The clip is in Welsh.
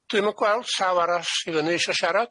Dwi'm yn gweld llaw arall i fyny isio siarad?